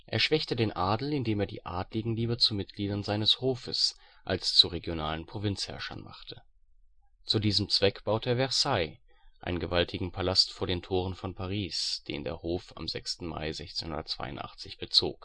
Er schwächte den Adel, indem er die Adeligen lieber zu Mitgliedern seines Hofes als zu regionalen Provinzherrschern machte. Zu diesem Zweck baute er Versailles, einen gewaltigen Palast vor den Toren von Paris, den der Hof am 6. Mai 1682 bezog